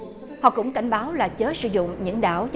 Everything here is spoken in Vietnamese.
họ cũng cảnh báo là chớ sử dụng những đảo